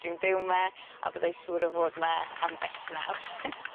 Dwi'n byw 'my a byddai siŵr o fod 'my am byth nawr.